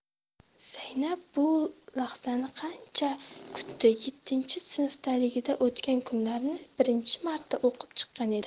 zaynab bu lahzani qancha kutdi yettinchi sinfdaligida o'tgan kunlar ni birinchi marta o'qib chiqqan edi